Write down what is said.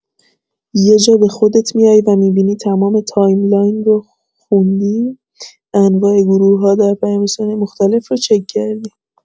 یه جا به خودت میای و می‌بینی تمام تایملاین رو خوندی، انواع گروه‌ها در پیام‌رسان‌های مختلف رو چک کردی.